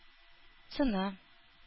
Цена